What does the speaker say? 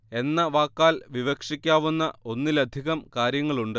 എന്ന വാക്കാൽ വിവക്ഷിക്കാവുന്ന ഒന്നിലധികം കാര്യങ്ങളുണ്ട്